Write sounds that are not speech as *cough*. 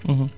*hesitation* *hesitation*